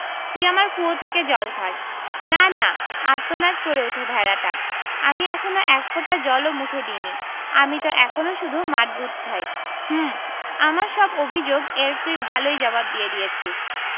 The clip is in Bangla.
তুই আমার কুয়ো থেকে জল খাস না না আর্তনাদ করে ওঠে ভেড়াটা আমি এখনো এক ফোঁটা জল ও মুখে দিইনি আমি ত এখনো শুধু মার দুধ খাই হুম আমার সব অভিযোগ এর তুই ভালই জবাব দিয়ে দিয়েছিস